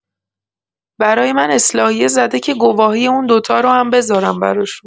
برای من اصلاحیه زده که گواهی اون دوتا رو هم بذارم براشون.